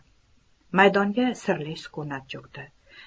maydonga sirli sukunat cho'kdi